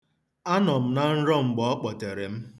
Ano m na nro mgbe o kpotere m.